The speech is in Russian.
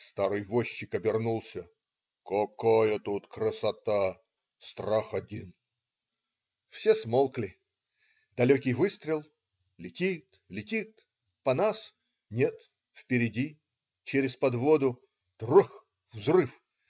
Старый возчик обернулся: "какая тут красота - страх один". Все смолкли. Далекий выстрел. летит. летит. по нас. нет, впереди. через подводу. тррах! взрыв!